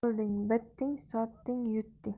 olding bitding sotding yitding